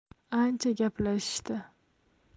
ancha gaplashishdi